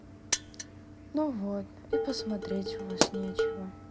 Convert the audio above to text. ну вот и посмотреть у вас нечего